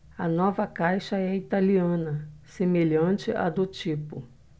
a nova caixa é italiana semelhante à do tipo